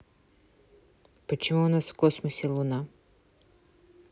почему у нас в космосе луна